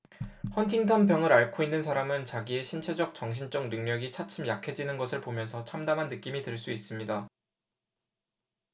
헌팅턴병을 앓고 있는 사람은 자기의 신체적 정신적 능력이 차츰 약해지는 것을 보면서 참담한 느낌이 들 수 있습니다